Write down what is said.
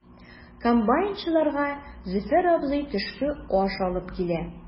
Комбайнчыларга Зөфәр абзый төшке аш алып килә.